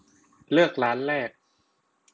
เลือกร้านแรก